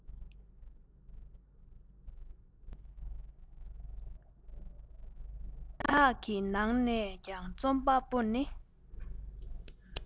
དེ དག གི ནང ནས ཀྱང རྩོམ པ ནི